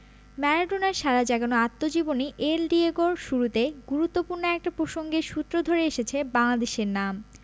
ম্যারাডোনার সাড়া জাগানো আত্মজীবনী এল ডিয়েগো র শুরুতেই গুরুত্বপূর্ণ একটা প্রসঙ্গের সূত্র ধরে এসেছে বাংলাদেশের নাম